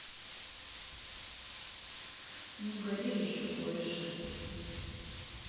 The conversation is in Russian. ну гори еще больше